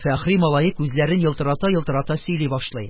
Фәхри малае күзләрен елтырата-елтырата сөйли башлый: